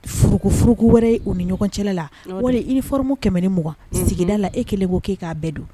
Furuku furuku wɛrɛ ye u ni ɲɔgɔn cɛla walima uniforme kɛmɛ ni mukan sigida la e kelen k'i ka bɛɛ don